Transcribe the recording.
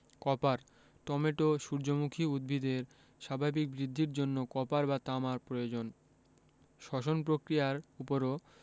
copper tomato সূর্যমুখী উদ্ভিদের স্বাভাবিক বৃদ্ধির জন্য কপার বা তামার প্রয়োজন শ্বসন পক্রিয়ার উপরও